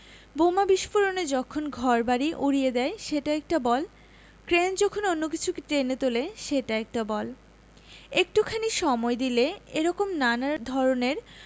বোমা বিস্ফোরণে যখন ঘরবাড়ি উড়িয়ে দেয় সেটা একটা বল ক্রেন যখন অন্য কিছুকে টেনে তুলে সেটা একটা বল একটুখানি সময় দিলেই এ রকম নানা ধরনের